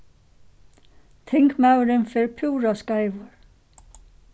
tingmaðurin fer púra skeivur